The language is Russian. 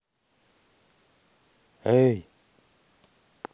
эй